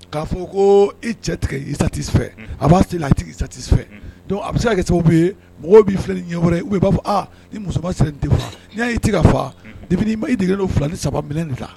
K'a fɔ ko i cɛ tigɛ isatifɛ a b'a tigi i satifɛ a bɛ se ka kɛ sababu mɔgɔ b'i filɛ ni ɲɛ i b'a fɔ ni muso sera tɛ n'i y'i tɛ fa i dege don fila ni saba minɛn la